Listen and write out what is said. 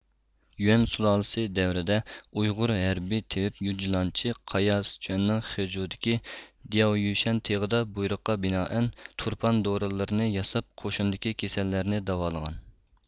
يۈەن سۇلالىسى دەۋرىدە ئۇيغۇر ھەربىي تېۋىپ يۇجلانچى قايا سىچۇەننىڭ خېجۇدىكى دىياۋيۈشەن تېغىدا بۇيرۇققا بىنائەن تۇرپان دورىلىرىنى ياساپ قوشۇندىكى كېسەللەرنى داۋالىغان